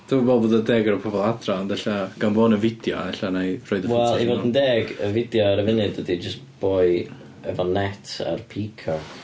Dwi'm yn meddwl bod o'n deg ar y pobl adra ond ella, gan bod yna fideo, ella wna i roid y footage... Wel, i fod yn deg, y video ar y funud ydy jyst boi efo net ar peacock.